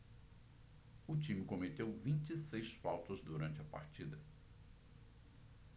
o time cometeu vinte e seis faltas durante a partida